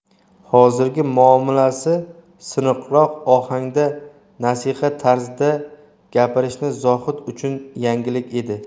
hozirgi muomalasi siniqroq ohangda nasihat tarzida gapirishi zohid uchun yangilik edi